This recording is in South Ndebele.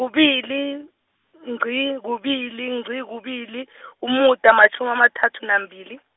kubili, ngqi, kubili, ngqi, kubili, umuda, matjhumi amathathu nambili.